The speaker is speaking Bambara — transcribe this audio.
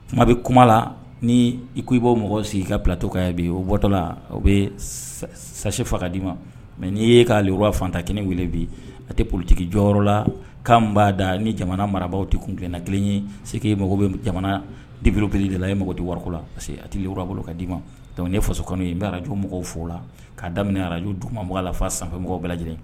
Tuma bɛ kuma la ni i ko bɔ mɔgɔw sigi ka ptoka ye bi o bɔtɔ la o bɛ sasi faga ka d'i ma mɛ n'i yee k'a le fantan kelen weele bi a tɛ politigi jɔyɔrɔ la ka b'a da ni jamana mara tɛ kunna kelen ye se mɔgɔw bɛ jamana dibbiuruele de la i mɔgɔ tɛ wɔɔrɔ la parce se a tɛ bolo ka d'i ma ni faso kɔnɔ bɛ araj mɔgɔw fo la kaa daminɛ araj dumamɔgɔ la fa sanfɛmɔgɔ bɛɛ lajɛlen